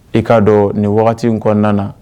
I kaa don nin wagati in kɔnɔna na